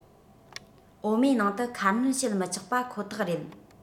འོ མའི ནང དུ ཁ སྣོན བྱེད མི ཆོག པ ཁོ ཐག རེད